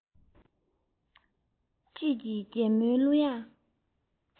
དཔྱིད ཀྱི རྒྱལ མོའི གླུ དབྱངས